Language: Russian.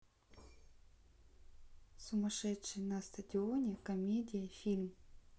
сумасшедшие на стадионе комедия фильм